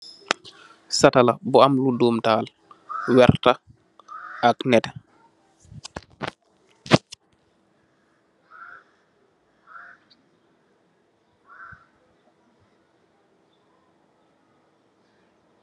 Satala, bu am lu doam tahal, werta, ak neteh.